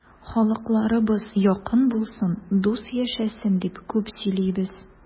Халыкларыбыз якын булсын, дус яшәсен дип күп сөйлибез.